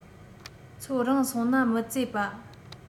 ཚོད རིང སོང ན མི རྩེ པ